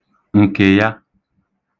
ǹkè yā